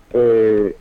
Ɛɛ